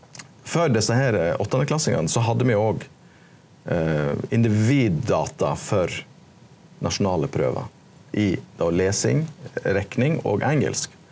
før desse her åttendeklassingane so hadde me òg individdata for nasjonale prøvar i då lesing rekning og engelsk.